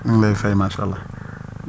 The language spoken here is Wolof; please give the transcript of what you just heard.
ñu ngi lay fay macha allah